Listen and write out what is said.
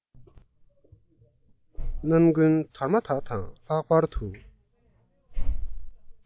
རྣམ ཀུན དར མ དག དང ལྷག པར དུ